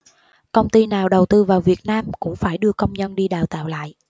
công ty nào đầu tư vào việt nam cũng phải đưa công nhân đi đào tạo lại